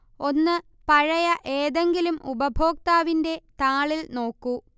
ഒന്ന് പഴയ ഏതെങ്കിലും ഉപഭോക്താവിന്റെ താളിൽ നോക്കൂ